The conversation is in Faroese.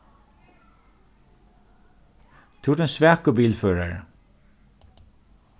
tú ert ein svakur bilførari